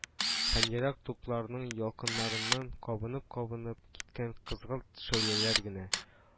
Һәм ерак тупларның ялкыннарыннан кабынып-кабынып киткән кызгылт шәүләләр генә